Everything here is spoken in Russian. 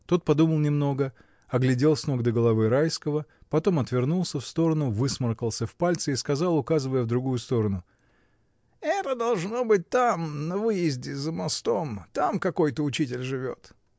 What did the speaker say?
Тот подумал немного, оглядел с ног до головы Райского, потом отвернулся в сторону, высморкался в пальцы и сказал, указывая в другую сторону: — Это, должно быть, там, на выезде, за мостом: там какой-то учитель живет.